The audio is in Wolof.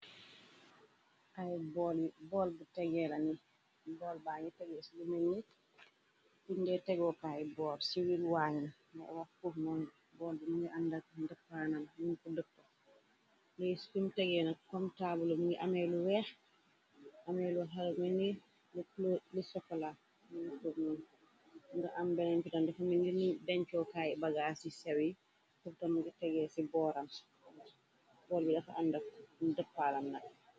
Ay bool bu tegeean bool baañ yi tegee ci jumeni iñnde tegookaay boor siwil waañu na waxku noon bool bumni àndak dëppanam muñ ku dëkpa lui skum tegee na komtaabalu ngi ameelu weex ameelu harmeni li sokola u fur ni nga am benenpitam defa mi nini bencookaay bagaar ci seri turtam ngi tegee ci booram bool yi dafa àndak dëppaalam nag.